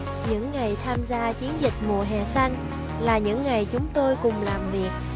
những ngày tham gia chiến dịch mùa hè xanh là những ngày chúng tôi cùng làm việc